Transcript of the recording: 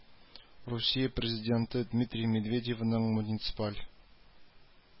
Русия Президенты Дмитрий Медведевның муниципаль